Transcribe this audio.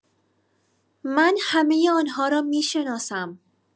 من همه آن‌ها را می‌شناسم.